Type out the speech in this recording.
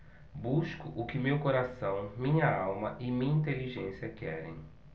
busco o que meu coração minha alma e minha inteligência querem